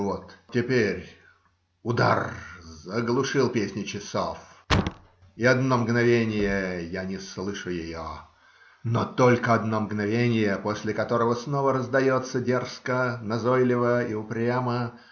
Вот теперь удар заглушил песню часов, и одно мгновенье я не слышу ее, но только одно мгновенье, после которого снова раздается дерзко, назойливо и упрямо